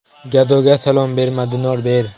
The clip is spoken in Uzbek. gadoga salom berma dinor ber